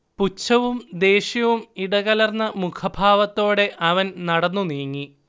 പുച്ഛവും ദേഷ്യവും ഇടകലർന്ന മുഖഭാവത്തോടെ അവൻ നടന്നുനീങ്ങി